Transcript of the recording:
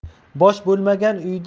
bosh bo'lmagan uyda